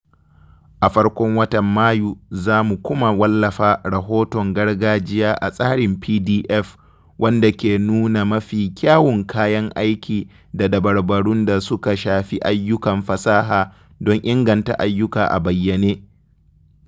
A farkon watan Mayu za mu kuma wallafa rahoton gargajiya a tsarin PDF wanda ke nuna mafi kyawun kayan aiki da dabarun da suka shafi ayyukan fasaha don inganta ayyuka a bayyane.